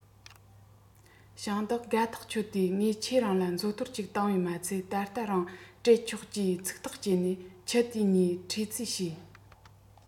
ཞིང བདག དགའ ཐག ཆོད དེ ངས ཁྱེད རང ལ མཛོ དོར གཅིག བཏང བས མ ཚད ད ལྟ རང སྤྲད ཆོག ཅེས ཚིག ཐག བཅད ནས ཁྱི དེ གཉིས ཁྲིས ཙིས བྱས